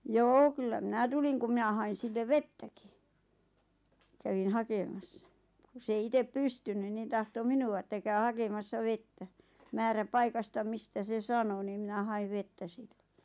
joo kyllä minä tulin kun minä hain sille vettäkin kävin hakemassa kun se ei itse pystynyt niin tahtoi minua että käy hakemassa vettä määräpaikasta mistä se sanoi niin minä hain vettä silloin